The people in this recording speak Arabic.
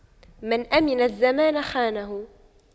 من أَمِنَ الزمان خانه